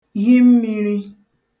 hi mmiri